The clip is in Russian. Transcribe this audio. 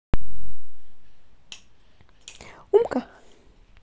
умка